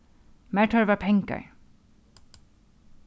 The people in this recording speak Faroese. mær tørvar pengar